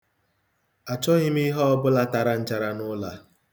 Achọghị m ihe ọbụla tara nchara n'ụlọ a.